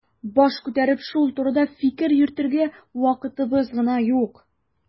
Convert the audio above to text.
Баш күтәреп шул турыда фикер йөртергә вакытыбыз гына юк.